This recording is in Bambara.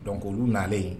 Dɔnku olu nalen ye